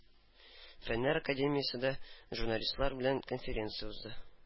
Фәннәр академиясендә журналистлар белән конференция узды.